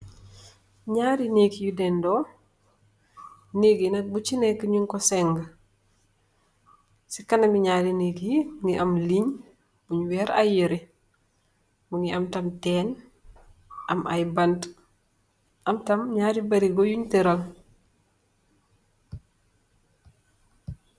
Ñaari nèk yu dendó, nèk yi nak bu ci nekka ñing ko seng, ci kanami ñaari nèk yi, mugii am liiñ buñ werr ay yirèh , mugii am tamit teen, am ay banti am tap ñaari barigo yin teral.